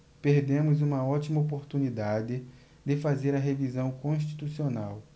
perdemos uma ótima oportunidade de fazer a revisão constitucional